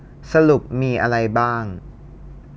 สรุปมีอะไรบ้าง